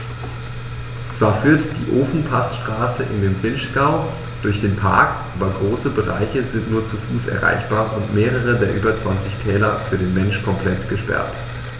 Zwar führt die Ofenpassstraße in den Vinschgau durch den Park, aber große Bereiche sind nur zu Fuß erreichbar und mehrere der über 20 Täler für den Menschen komplett gesperrt.